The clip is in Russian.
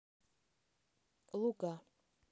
луга